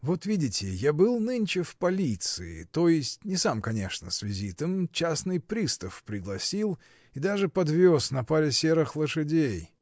Вот видите: я был нынче в полиции, то есть не сам конечно, с визитом, частный пристав пригласил и даже подвез на паре серых лошадей.